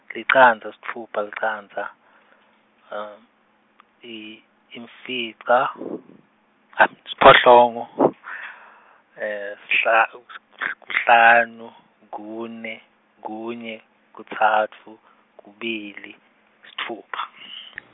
licandza sitfupha licandza , i- imfica, siphohlongo sihla kuhlanu, kune, kunye, kutsatfu, kubili, sitfupha .